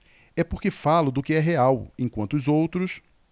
é porque falo do que é real enquanto os outros